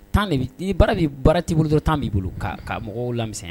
Tan baara bɛ baara t' bolo dɔ tan b'i bolo ka mɔgɔw lamisɛn